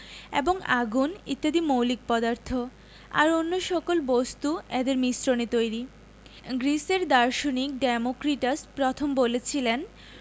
এবং আগুন ইত্যাদি মৌলিক পদার্থ আর অন্য সকল বস্তু এদের মিশ্রণে তৈরি গ্রিসের দার্শনিক ডেমোক্রিটাস প্রথম বলেছিলেন